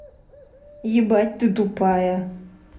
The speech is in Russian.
ебать ты тупая